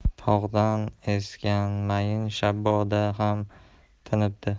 tog'dan esgan mayin shaboda ham tinibdi